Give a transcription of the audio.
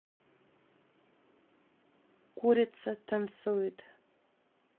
курица танцует